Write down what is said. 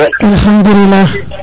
alkhadoulialh